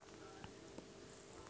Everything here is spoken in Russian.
найди мне три кота и включи